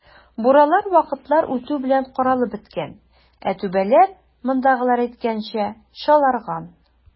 Буралар вакытлар үтү белән каралып беткән, ә түбәләр, мондагылар әйткәнчә, "чаларган".